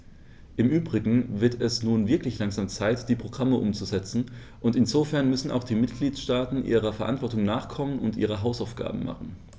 Im übrigen wird es nun wirklich langsam Zeit, die Programme umzusetzen, und insofern müssen auch die Mitgliedstaaten ihrer Verantwortung nachkommen und ihre Hausaufgaben machen.